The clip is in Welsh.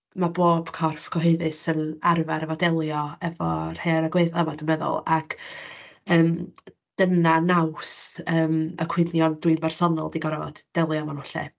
Ma' ma' bob corff cyhoeddus yn arfer efo delio efo rhai o'r agweddau yma dwi'n meddwl, ac yym dyna naws yym y cwynion dwi'n bersonol 'di gorfod delio efo nhw 'lly